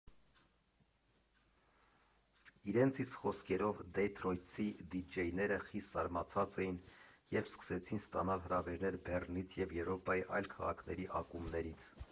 Իրենց իսկ խոսքերով, դեթրոյթցի դիջեյները խիստ զարմացած էին, երբ սկսեցին ստանալ հրավերներ Բեռլինից և Եվրոպայի այլ քաղաքների ակումբներից։